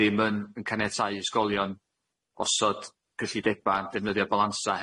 ddim yn yn caniatáu ysgolion osod cyllideba yn defnyddio balansa